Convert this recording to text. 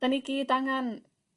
...'dan ni gyd angan